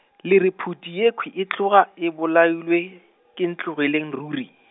le re phuti yekhwi e tloga e bolailwe , ke Ntlogeleng ruri.